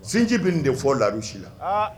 Sinji bɛ nin de fɔ lauru si la